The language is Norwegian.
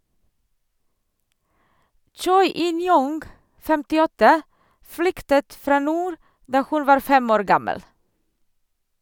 Choi In-Young (58) flyktet fra nord da hun var fem år gammel.